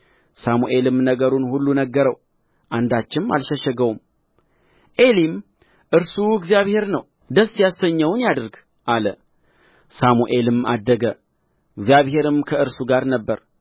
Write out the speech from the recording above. ሳሙኤልም ነገሩን ሁሉ ነገረው አንዳችም አልሸሸገውም ዔሊም እርሱ እግዚአብሔር ነው ደስ ያሰኘውን ያድርግ አለ ሳሙኤልም አደገ እግዚአብሔርም ከእርሱ ጋር ነበረ